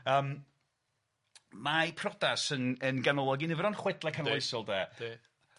Yym mae priodas yn yn ganolog i nifer o'n chwedla canoloesol de. 'Di.